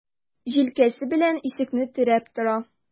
Җилкәсе белән ишекне терәп тора.